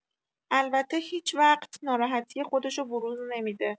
البته هیچوقت ناراحتی خودشو بروز نمی‌ده.